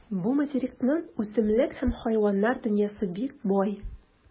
Бу материкның үсемлек һәм хайваннар дөньясы бик бай.